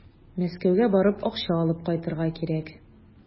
Мәскәүгә барып, акча алып кайтырга кирәк.